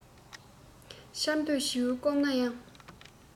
ཆར འདོད བྱེའུ སྐོམ ན ཡང